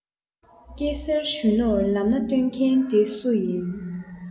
སྐྱེ སེར གཞོན ནུར ལམ སྣ སྟོན མཁན དེ སུ ཡིན